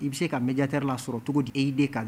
I bɛ se ka médateur la sɔrɔ cogo di?